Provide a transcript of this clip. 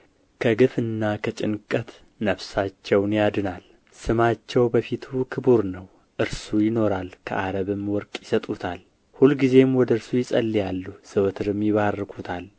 ከግፍና ከጭንቀት ነፍሳቸውን ያድናል ስማቸው በፊቱ ክቡር ነው እርሱ ይኖራል ከዓረብም ወርቅ ይሰጡታል ሁልጊዜም ወደ እርሱ ይጸልያሉ ዘወትርም ይባርኩታል